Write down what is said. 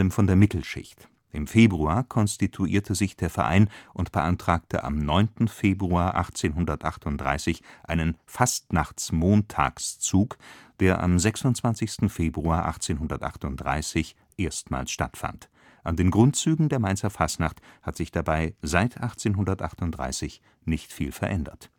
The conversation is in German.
von der Mittelschicht. Im Februar konstituierte sich der Verein und beantragte am 9. Februar 1838 einen „ Fastnachtmontagszug “, der am 26. Februar 1838 erstmals stattfand. An den Grundzügen der Mainzer Fastnacht hat sich dabei seit 1838 nicht viel verändert